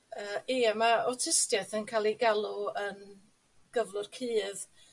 Yy ie ma awtistiaeth yn ca'l ei galw yn gyflwr cudd.